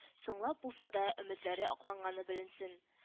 Соңлап булса да, өметләре акланганны белсен